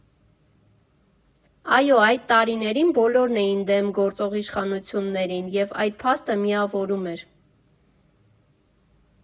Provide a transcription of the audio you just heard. Այո, այդ տարիներին բոլորն էին դեմ գործող իշխանություններին և այդ փաստը միավորում էր։